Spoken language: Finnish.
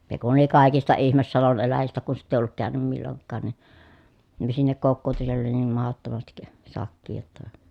se kun oli kaikista ihme salon eläjistä kun sitä ei ollut käynyt milloinkaan niin sinne kokoutui siellä oli niin mahdottomasti sakkia jotta